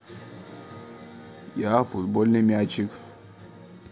я футбольный мячик